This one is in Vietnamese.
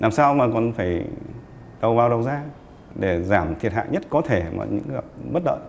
làm sao mà còn phải đầu vào đầu ra để giảm thiệt hại nhất có thể gặp bất lợi